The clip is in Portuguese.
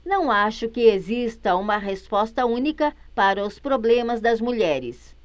não acho que exista uma resposta única para os problemas das mulheres